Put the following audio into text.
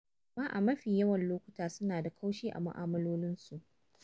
Amma a mafi yawan lokuta suna da kaushi a mu'amalolinsu.